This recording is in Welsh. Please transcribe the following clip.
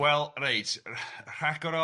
Wel reit rh- rhagor o,